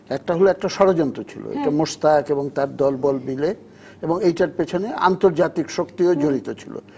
একটা হলে একটা ষড়যন্ত্র ছিল একটা মোশতাক এবং তার দলবল মিলে এবং এটার পেছনে আন্তর্জাতিক শক্তি ও জড়িত ছিল